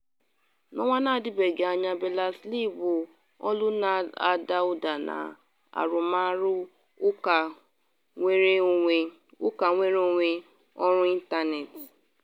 N’ọnwa ndị adịbeghị anya, Berners-Lee bụ olu na-ada ụda na arụmarụ ụka nnwere onwe ọrụ ịntanetị.